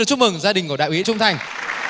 chúc mừng gia đình của đại úy trung thành